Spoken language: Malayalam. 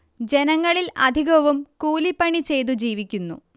ജനങ്ങളിൽ അധികവും കൂലി പണി ചെയ്തു ജീവിക്കുന്നു